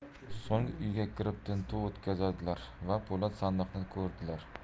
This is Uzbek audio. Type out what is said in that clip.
so'ng uyga kirib tintuv o'tkazadilar va po'lat sandiqni ko'radilar